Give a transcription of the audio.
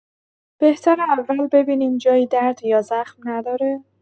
بهتره اول ببینیم جایی درد یا زخم نداره.